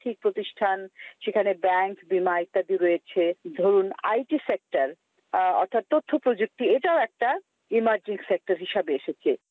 প্রতিষ্ঠান সেখানে ব্যাংক বীমা ইত্যাদি রয়েছে ধরুন আইটি সেক্টর অর্থাৎ তথ্যপ্রযুক্তি এটাও একটা ইমার্জিং ফ্যাক্টর হিসেবে এসেছে